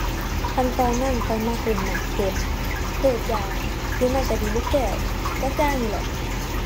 คันตอนนั้นข้อยมักเล่นหมากเก็บ โดดยาง หรือไม่ก็ดีดลูกแก้ว จักอย่างนี่แหละ